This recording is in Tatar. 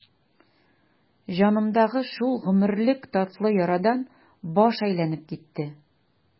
Җанымдагы шул гомерлек татлы ярадан баш әйләнеп китте.